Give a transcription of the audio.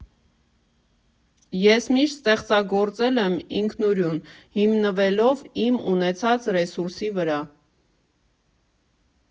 Ես միշտ ստեղծագործել եմ ինքնուրույն, հիմնվելով իմ ունեցած ռեսուրսի վրա։